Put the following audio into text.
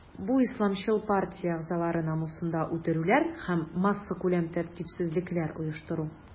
Бу исламчыл партия әгъзалары намусында үтерүләр һәм массакүләм тәртипсезлекләр оештыру.